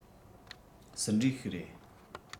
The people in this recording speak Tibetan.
སྲིད འབྲས ཤིག རེད